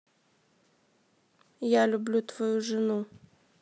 я люблю твою жену